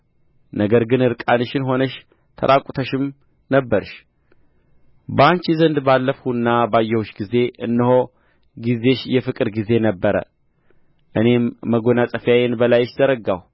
ነገር ግን ዕርቃንሽን ሆንሽ ተራቍተሽም ነበርሽ በአንቺ ዘንድ ባለፍሁና ባየሁሽ ጊዜ እነሆ ጊዜሽ የፍቅር ጊዜ ነበረ እኔም መጐናጸፊያዬን በላይሽ ዘረጋሁ